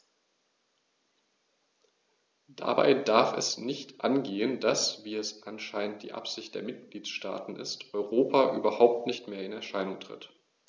Dabei darf es nicht angehen, dass - wie es anscheinend die Absicht der Mitgliedsstaaten ist - Europa überhaupt nicht mehr in Erscheinung tritt.